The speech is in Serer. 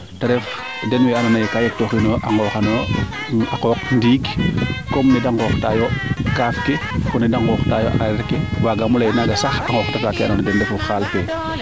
te ref den we ando naye kay coxinoyo a ngoxanoyo a qooq ndiing comme neede ngoox ta yo kaaf ke fo neede ngoox ta yo areer ke wagamo leye maaga sax a xoox tata ke ando naye ten refu xaal fee